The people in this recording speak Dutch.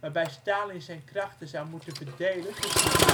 waarbij Stalin zijn krachten zou moeten verdelen tussen de Duitsers